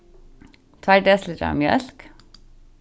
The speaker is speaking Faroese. tveir desilitrar av mjólk